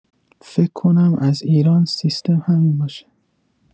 فکر کنم از ایران سیستم همین باشه